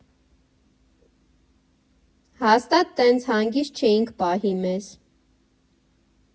Հաստատ տենց հանգիստ չէինք պահի մեզ։